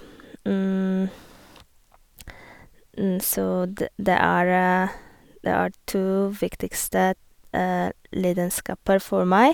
Så de det er det er to viktigste lidenskaper for meg.